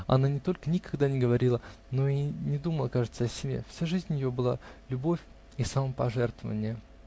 Она не только никогда не говорила, но и не думала, кажется, о себе: вся жизнь ее была любовь и самопожертвование.